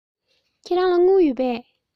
ཁྱེད རང ལ དངུལ ཡོད པས